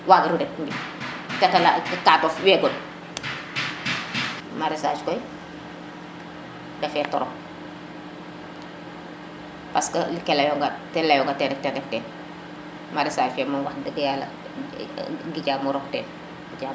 wagi ro ret o kata leya katof we goɗ maraisage koy refe trop ten ref ke leyonga ten rek maraisage fe mom wax deg fa yala gijamo roq ten